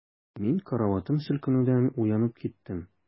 Мин караватым селкенүдән уянып киттем.